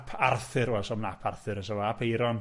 Wel, so ma' Ap Arthur iso fo, ap Euron.